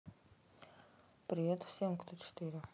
привет всем кто четыре